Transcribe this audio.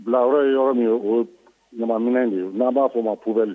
Bila o ye yɔrɔ min ye o ɲamaminɛ ye n'a b'a fɔ ma pbɛn